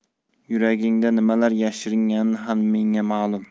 yuragingda nimalar yashiringani ham menga ma'lum